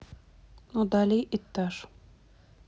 удали этаж